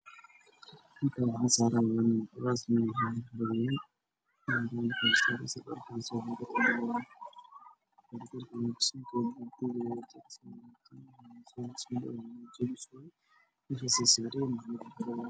Meeshaan aa saaran laba nin oo dhar isku qabto oo hagaajinayso meel waxayna saaran yihiin jiraan jar jar